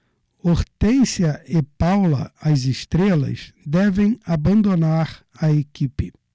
hortência e paula as estrelas devem abandonar a equipe